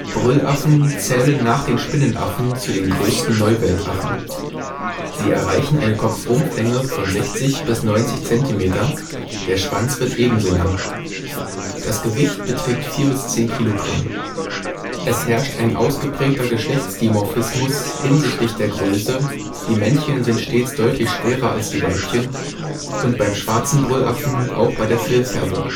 Brüllaffen zählen nach den Spinnenaffen zu den größten Neuweltaffen. Sie erreichen eine Kopfrumpflänge von 60 bis 90 Zentimeter, der Schwanz wird ebenso lang. Das Gewicht beträgt 4 bis 10 Kilogramm. Es herrscht ein ausgeprägter Geschlechtsdimorphismus hinsichtlich der Größe – die Männchen sind stets deutlich schwerer als die Weibchen – und beim Schwarzen Brüllaffen auch bei der Fellfärbung